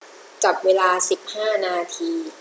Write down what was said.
จับเวลาสิบห้านาที